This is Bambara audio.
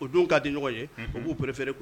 O don ka di ɲɔgɔn ye, unhun, u b'u préféré